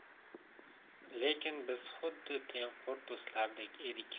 lekin biz xuddi tengqur do'stlardek edik